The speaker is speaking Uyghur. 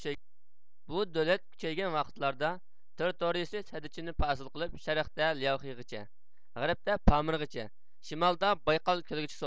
بۇ دۆلەت كۈچەيگەن ۋاقىتلاردا تېررىتورىيىسى سەددىچىننى پاسىل قىلىپ شەرقتە لياۋخېغىچە غەربتە پامىرغىچە شىمالدا بايقال كۆلىگىچە سوزۇلغان